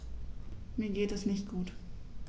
Mir geht es nicht gut.